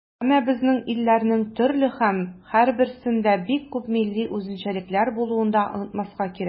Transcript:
Әмма безнең илләрнең төрле һәм һәрберсендә бик күп милли үзенчәлекләр булуын да онытмаска кирәк.